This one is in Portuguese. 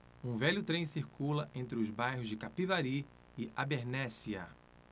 um velho trem circula entre os bairros de capivari e abernéssia